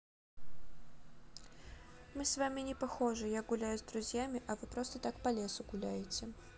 мы с вами не похожи я гуляю с друзьями а вы просто так по лесу гуляйте